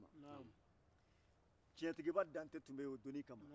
cɛntigiba dantɛ tun bɛ yen o donnin kama